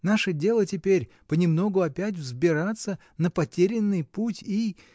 Наше дело теперь — понемногу опять взбираться на потерянный путь и.